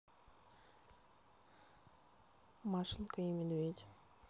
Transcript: машенька и медведь